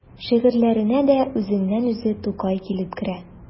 Шигырьләренә дә үзеннән-үзе Тукай килеп керә.